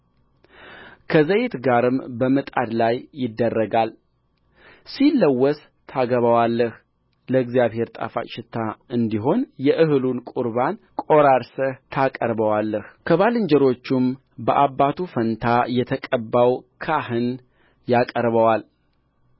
ከዘይት ጋር በምጣድ ላይ ይደረጋል ሲለወስ ታገባዋለህ ለእግዚአብሔር ጣፋጭ ሽታ እንዲሆን የእህሉን ቍርባን ቈራርሰህ ታቀርበዋለህከልጆቹም በአባቱ ፋንታ የተቀባው ካህን ያቀርበዋል